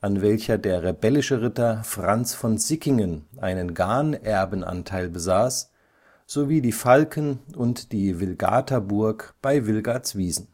an welcher der rebellische Ritter Franz von Sickingen einen Ganerbenanteil besaß, sowie die Falken - und die Wilgartaburg bei Wilgartswiesen